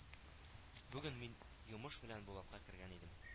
Бүген мин йомыш белән Булатка кергән идем